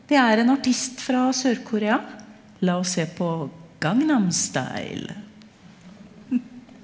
det er en artist fra Sør-Korea, la oss se på Gangnam Style.